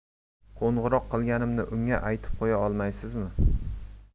qo'ng'iroq qilganimni unga aytib qo'ya olmaysizmi